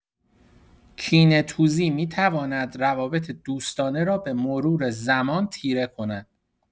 کینه‌توزی می‌تواند روابط دوستانه را به‌مرور زمان تیره کند.